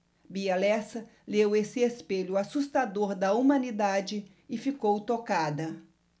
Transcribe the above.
bia lessa leu esse espelho assustador da humanidade e ficou tocada